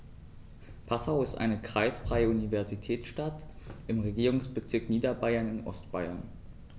Passau ist eine kreisfreie Universitätsstadt im Regierungsbezirk Niederbayern in Ostbayern.